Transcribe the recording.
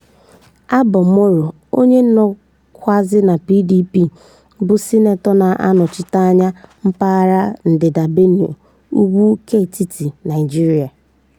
Abba Moro, onye nọkwazị na PDP, bụ sinetọ na-anọchite anya mpaghara Ndịda Benue, ugwu keetiti Naịjirịa.